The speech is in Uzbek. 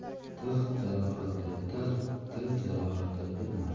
tig' jarohati bitar til jarohati bitmas